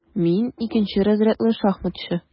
Мин - икенче разрядлы шахматчы.